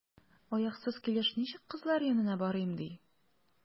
Аяксыз килеш ничек кызлар янына барыйм, ди?